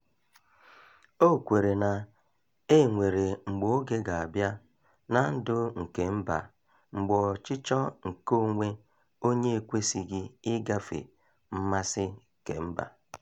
O kwenyere na e nwere "mgbe oge ga-abịa na ndụ nke mba mgbe ọchịchọ nke onwe onye ekwesịghị ịgafe mmasị kemba".